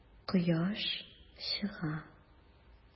Кояш чыга.